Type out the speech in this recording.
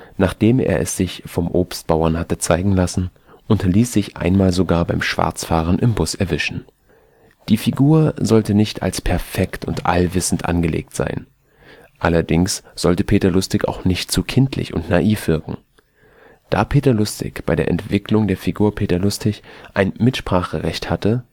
nachdem er es sich vom Obstbauern hatte zeigen lassen) und ließ sich einmal sogar beim Schwarzfahren im Bus erwischen. Die Figur sollte nicht als perfekt und allwissend angelegt sein. Allerdings sollte Peter Lustig auch nicht zu kindlich und zu naiv wirken. Da Peter Lustig bei der Entwicklung der Figur Peter Lustig ein Mitspracherecht hatte